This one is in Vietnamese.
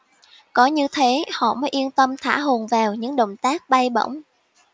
có như thế họ mới yên tâm thả hồn vào những động tác bay bổng